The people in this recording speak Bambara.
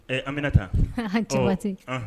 An bɛ taa